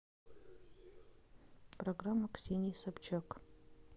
программа ксении собчак